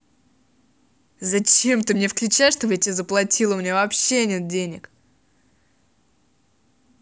зачем ты мне включай чтобы я тебе заплатила у меня вообще нет денег